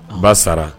N ba sara